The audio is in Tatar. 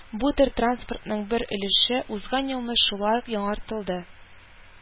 Бу төр транспортның бер өлеше узган елны шулай ук яңартылды